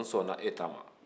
n sɔnn'e ta ma